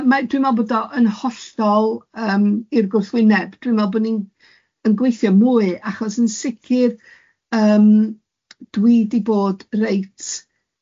Dwi'n meddwl bod o yn hollol yym i'r gwrthwyneb, dwi'n meddwl bod ni'n yn gweithio mwy, achos yn sicr yym dwi di bod reit.